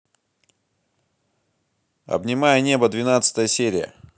обнимая небо двенадцатая серия